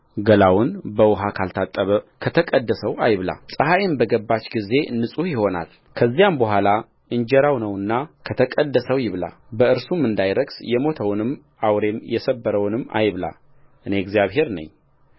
ገላውን በውኃ ካልታጠበ ከተቀደሰው አይብላፀሐይም በገባች ጊዜ ንጹሕ ይሆናል ከዚያም በኋላ እንጀራው ነውና ከተቀደሰው ይብላበእርሱም እንዳይረክስ የሞተውን አውሬም የሰበረውን አይብላ እኔ እግዚአብሔር ነኝ